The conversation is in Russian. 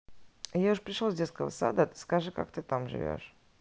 я уже пришел с детского сада а ты скажи как ты там живешь